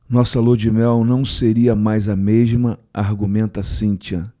nossa lua-de-mel não seria mais a mesma argumenta cíntia